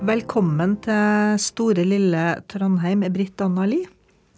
velkommen til store lille Trondheim Brit Anna Lie.